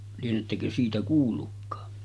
lienettekö siitä kuullutkaan